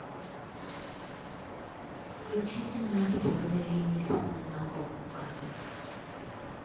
включи семнадцать мгновений весны на окко